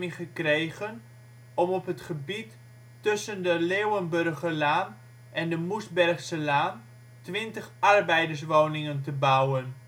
gekregen om op het gebied tussen de Leeuwenburgerlaan en de Moersbergselaan twintig arbeiderswoningen te bouwen